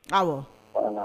Aw